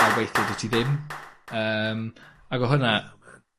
A weithie dwyt ti ddim yym ag ma' hwnna